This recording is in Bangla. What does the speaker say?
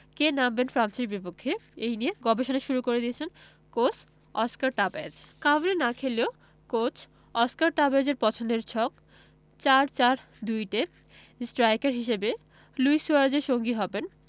কে নামবেন ফ্রান্সের বিপক্ষে এই নিয়ে গবেষণা শুরু করে দিয়েছেন কোচ অস্কার তাবারেজ কাভানি না খেললে কোচ অস্কার তাবারেজের পছন্দের ছক ৪ ৪ ২ তে স্ট্রাইকার হিসেবে লুই সুয়ারেজের সঙ্গী হবেন